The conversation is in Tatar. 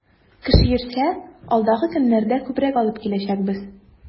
Кеше йөрсә, алдагы көннәрдә күбрәк алып киләчәкбез.